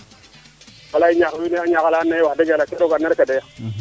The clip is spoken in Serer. walay ñaax wiin we a ñaxa ando naye wax deg yala ke rooga an na rek a doya